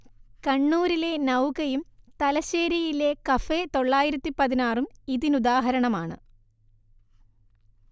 കണ്ണൂരിലെ നൗകയും തലശ്ശേരിയിലെ കഫേ തൊള്ളായിരത്തി പതിനാറും ഇതിനുദാഹരണമാണ്